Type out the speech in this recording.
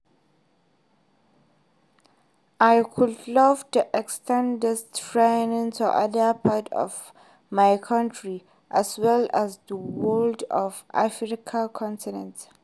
I would love to extend these trainings to other parts of my country as well as the whole of the African continent.